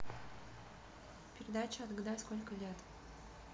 передача отгадай сколько лет